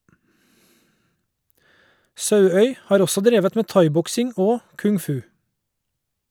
Sauøy har også drevet med thaiboksing og kung-fu.